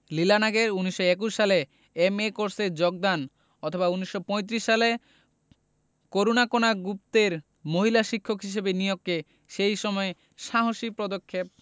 লীলা নাগের ১৯২১ সালে এম.এ কোর্সে যোগদান অথবা ১৯৩৫ সালে করুণাকণা গুপ্তের মহিলা শিক্ষক হিসেবে নিয়োগকে সেই সময়ে সাহসী পদক্ষেপ